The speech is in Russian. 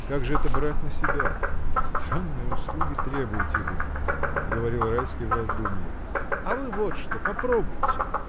— Как же это брать на себя: странной услуги требуете вы! — говорил Райский в раздумье. — А вы вот что: попробуйте.